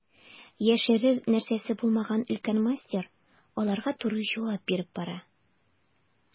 Яшерер нәрсәсе булмаган өлкән мастер аларга туры җавап биреп бара.